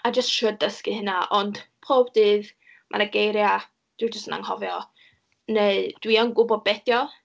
A jyst trio dysgu hynna, ond pob dydd ma' 'na geiriau a dwi jyst yn anghofio, neu dwi yn gwybod be ydy o.